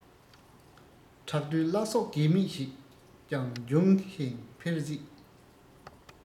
བྲག རྡོའི བླ སྲོག རྒས མེད ཞིག ཀྱང འབྱུང ཞིང འཕེལ སྲིད